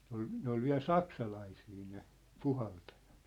ne oli ne oli vielä saksalaisia ne puhaltajat